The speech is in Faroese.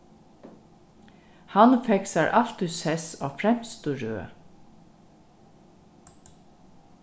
hann fekk sær altíð sess á fremstu røð